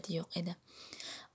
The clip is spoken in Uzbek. yo'q edi